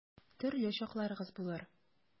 Төрле чакларыгыз булыр.